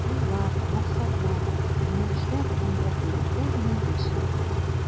Юллар, максатлар, юнәлешләр тәңгәл килгәндә генә яшәп була.